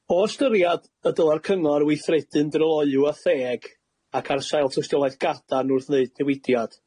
O ystyriad y dyla'r cyngor weithredu'n dryloyw a theg, ac ar sail tystiolaeth gadarn wrth wneud newidiad